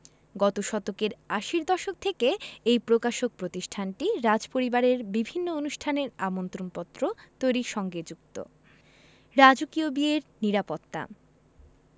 গত শতকের আশির দশক থেকে এই প্রকাশক প্রতিষ্ঠানটি রাজপরিবারের বিভিন্ন অনুষ্ঠানের আমন্ত্রণপত্র তৈরির সঙ্গে যুক্ত রাজকীয় বিয়ের নিরাপত্তা